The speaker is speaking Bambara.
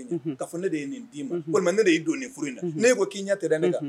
Ne' ne y'i furu ne ko k'i ɲɛ tɛ ne